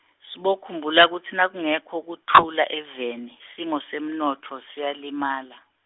sibokhumbula kutsi nakungekho kutfula eveni, simo semnontfo siyalimala.